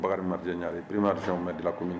Bakari bakarijan ɲari madi dilanlak minɛ